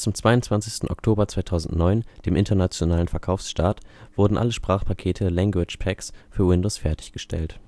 22. Oktober 2009, dem internationalen Verkaufsstart, wurden alle Sprachpakete („ Language Packs “) für Windows fertiggestellt